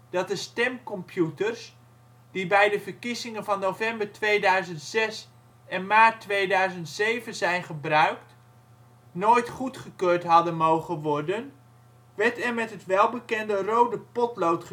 dat de stemcomputers die bij de verkiezingen van november 2006 en maart 2007 zijn gebruikt, nooit goedgekeurd hadden mogen worden, werd er met het welbekende rode potlood